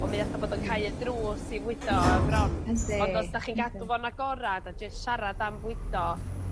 On' mi alla bod yn cau y ddrws i fwydo o fron. Ydi. Ond os 'dach chi'n gadw fo'n agorad a jys siarad am fwydo